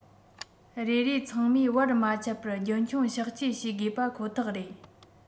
རེ རེ ཚང མས བར མ ཆད པར རྒྱུན འཁྱོངས གཤགས བཅོས བྱེད དགོས པ ཁོ ཐག རེད